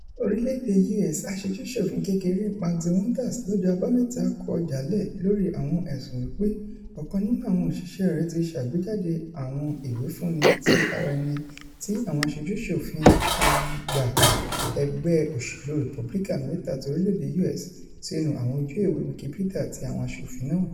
orílẹ̀-èdè U.S. Aṣojú-ṣòfin kékeré Maxine Walters lọ́jọ́ Àbámẹ́ta kọ̀ jálẹ̀ lórí àwọn ẹ̀sùn wí pé ọ̀kan nínú àwọn òṣìṣẹ́ rẹ̀ ti ṣàgbéjáde àwọn ìwífúnni ti ara ẹni ti àwọn aṣojú-ṣòfin àgbà ẹgbẹ́ òṣèlú Republican mẹ́ta ti orílẹ̀-èdè U.S. sínu àwọn ojú-ewé Wikipedia ti àwọn àṣofin náà.